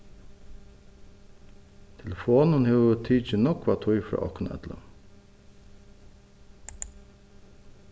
telefonin hevur tikið nógva tíð frá okkum øllum